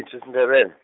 -thu isiNdebele.